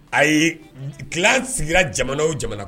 Ayi clan sigira jamana o jamana kɔnɔ.